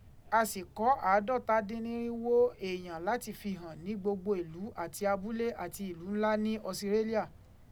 A sì kọ́ àádọ́ta dín nírínwó èèyàn láti fi hàn ní gbogbo ìlú àti abúlé àti ìlú ńlá ní Ọsirélíà.